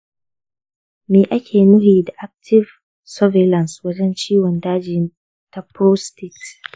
me ake nufi da active surveillance wajen ciwon daji ta prostate?